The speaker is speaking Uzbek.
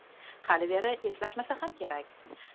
hali veri eslashmasa ham kerak